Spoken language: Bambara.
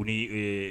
U ni ee